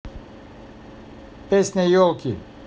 песни елки